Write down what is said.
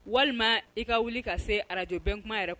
Walima i ka wuli ka se arajo bɛnkuma yɛrɛ